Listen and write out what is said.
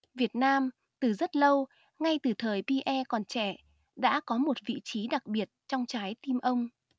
việt nam từ rất lâu ngay từ thời pierre còn trẻ đã có một vị trí đặc biệt trong trái tim ông